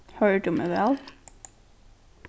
hoyrir tú meg væl